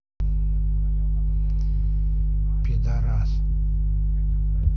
пидарас